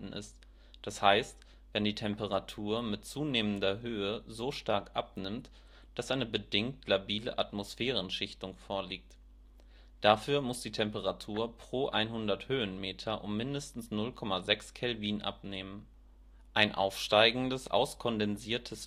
d. h. wenn die Temperatur mit zunehmender Höhe so stark abnimmt, dass eine bedingt labile Atmosphärenschichtung vorliegt. Dafür muss die Temperatur pro 100 Höhenmeter um mindestens 0,6 K abnehmen. Ein aufsteigendes auskondensiertes